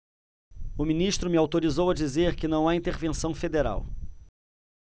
o ministro me autorizou a dizer que não há intervenção federal